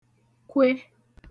-kwe